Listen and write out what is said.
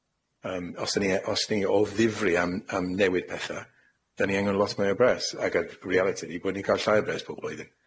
Yym, os 'yn ni e- Os ni o ddifri am am newid petha, 'dan ni angen lot mwy o bres, ag y realiti ydi bod ni'n ca'l llai o bres pob blwyddyn.